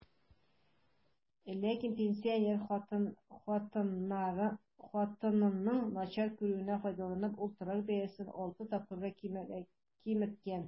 Ләкин, пенсинер хатынның начар күрүеннән файдаланып, ул торак бәясен алты тапкырга киметкән.